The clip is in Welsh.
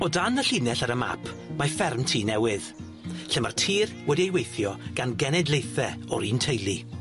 O dan y llinell ar y map, mae fferm Tŷ Newydd, lle ma'r tir wedi ei weithio gan genedlaethe o'r un teulu.